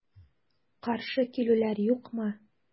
Каршы килүләр юкмы?